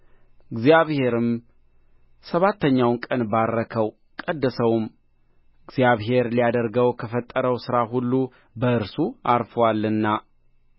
እግዚአብሔርም ሰባተኛውን ቀን ባረከው ቀደሰውም እግዚአብሔር ሊያደርገው ከፈጠረው ሥራ ሁሉ በእርሱ ዐርፎአልና